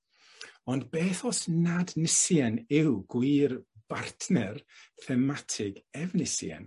Ond beth os nad Nisien yw gwir bartner thematig Efnisien?